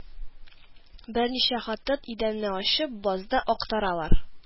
Берничә хатын, идәнне ачып, базны актаралар